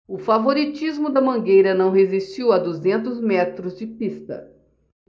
o favoritismo da mangueira não resistiu a duzentos metros de pista